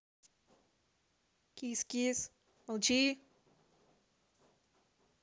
кис кис молчи